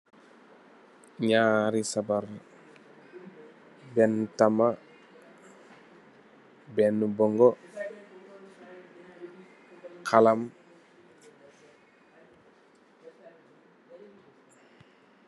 Naari sabar, benn tama, benn bungo, halam.